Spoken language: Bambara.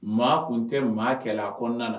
Maa kun tɛ maa kɛlɛ a kɔnɔna